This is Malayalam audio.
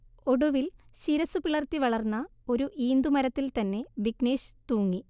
ഒടുവിൽ ശിരസുപിളർത്തി വളർന്ന ഒരു ഈന്തു മരത്തിൽ തന്നെ വിഘ്നേശ് തൂങ്ങി